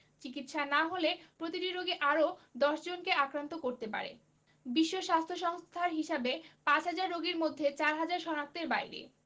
চিকিৎসা না হলে প্রতিটি রোগী আরও ১০ জনকে আক্রান্ত করাতে পারে বিশ্ব স্বাস্থ্য সংস্থার হিসেবে পাঁচহাজার রোগীর মধ্যে চারহাজার শনাক্তের বাইরে